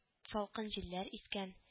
Салкын җилләр искән